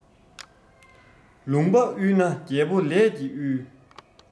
ལུང པ དབུལ ན རྒྱལ པོ ལས ཀྱིས དབུལ